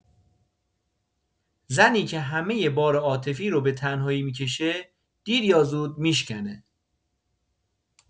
زنی که همه بار عاطفی رو به‌تنهایی می‌کشه، دیر یا زود می‌شکنه.